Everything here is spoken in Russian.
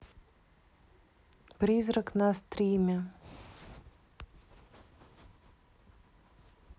призрак на стриме